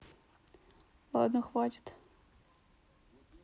ладно хватит